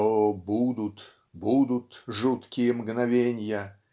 О, будут, будут жуткие мгновенья!